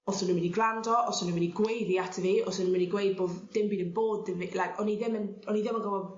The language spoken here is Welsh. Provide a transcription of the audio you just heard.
os o'n n'w myn' i gwrando os o'n n'w myn' i gweiddi ati fi os o' n'w myn' i gweud bo' f- dim byd yn bod 'dy fi like o'n i ddim yn o'n i ddim yn gwbo